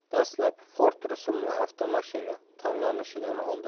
dastlab ford rusumli avtomashina tanlanishidan